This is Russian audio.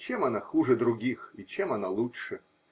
Чем она хуже других и чем она лучше?